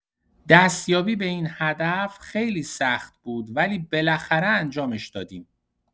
دستیابی به این هدف خیلی سخت بود ولی بالاخره انجامش دادیم.